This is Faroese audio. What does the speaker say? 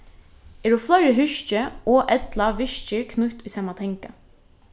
eru fleiri húski og ella virkir knýtt í sama tanga